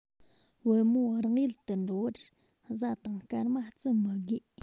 བུ མོ རང ཡུལ དུ འགྲོ བར གཟའ དང སྐར མ བརྩི མི དགོས